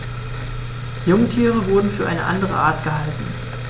Jungtiere wurden für eine andere Art gehalten.